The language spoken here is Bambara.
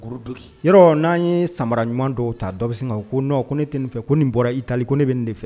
Gorodoki yɔrɔɔ n'an ye samara ɲuman dɔw ta dɔ bɛ sen ka fɔ koo non -- ko ne tɛ nin fɛ ko nin bɔra Italie ko ne be nin de f